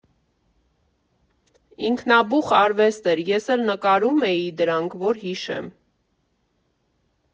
Ինքնաբուխ արվեստ էր, ես էլ նկարում էի դրանք, որ հիշեմ։